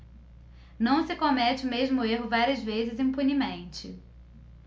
não se comete o mesmo erro várias vezes impunemente